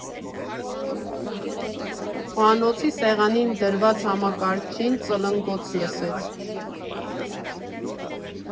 Խոհանոցի սեղանին դրված համակարգչին ծլնգոց լսեց։